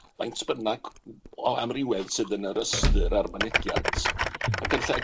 faint bynnag o amrywiaeth sydd yn yr ystyr a'r mynegiant, ag yn lle